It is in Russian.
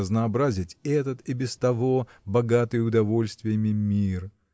разнообразить этот и без того богатый удовольствиями мир.